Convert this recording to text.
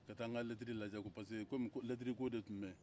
ka taa an ka lɛtɛrɛ lajɛ parce que lɛtɛrɛ ko de tun bɛ yen